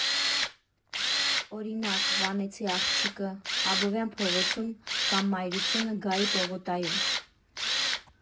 Օրինակ՝ «Վանեցի աղջիկը» Աբովյան փողոցում կամ «Մայրությունը» Գայի պողոտայում։